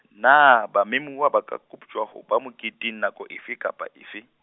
naa ba memuwa ba ka koptjwa ho ba moketeng nako efe kapa efe?